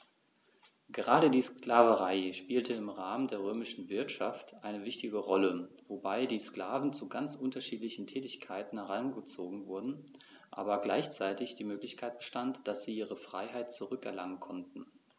Gerade die Sklaverei spielte im Rahmen der römischen Wirtschaft eine wichtige Rolle, wobei die Sklaven zu ganz unterschiedlichen Tätigkeiten herangezogen wurden, aber gleichzeitig die Möglichkeit bestand, dass sie ihre Freiheit zurück erlangen konnten.